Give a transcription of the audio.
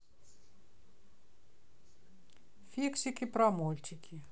фиксики про мультики